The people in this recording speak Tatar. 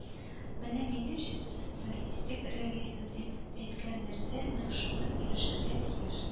Менә, минемчә, социалистик реализм дип әйткән нәрсә нәкъ шуңа ирешергә тиеш